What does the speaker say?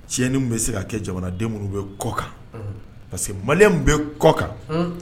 Cɛnɲɛn bɛ se ka kɛ jamanadenw minnu bɛ kɔkan parce que mali bɛ kɔkan